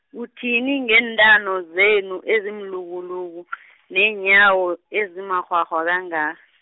uthini ngeentamo zenu ezimlukuluku, neenyawo, ezimakghwakghwa kangaka.